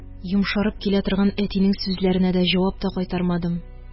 Йомшарып килә торган әтинең сүзләренә дә җавап та кайтармадым